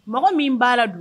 Mɔgɔ min b baaraa la don